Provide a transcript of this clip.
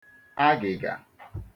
agịga